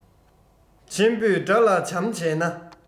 ཆེན པོས དགྲ ལ བྱམས བྱས ན